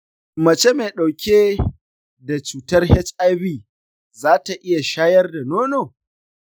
shin mace mai ɗauke da cutar hiv za ta iya shayar da nono?